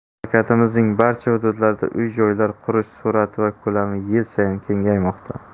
mamlakatimizning barcha hududlarida uy joylar qurish sur'ati va ko'lami yil sayin kengaymoqda